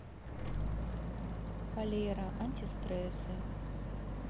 валера антистрессы